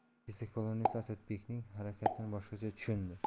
kesakpolvon esa asadbekning harakatini boshqacha tushundi